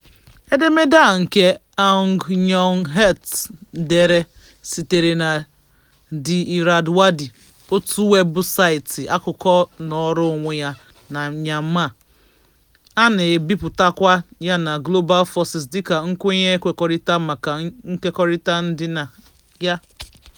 Edemede a nke Aung Kyaw Htet dere sitere na The Irrawaddy, òtù weebụsaịtị akụkọ nọọrọ onwe ya na Myanmar, a na-ebipụtakwa ya na Global Voices dịka nkwenye e kwekọrịtara maka nkekọrịta ndịnaya.